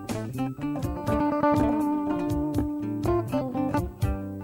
San yo